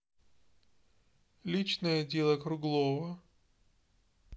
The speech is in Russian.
личное дело круглова